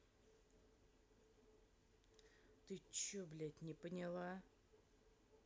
ты че блядь не поняла